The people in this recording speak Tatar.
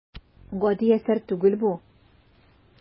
Гади әсәр түгел бу.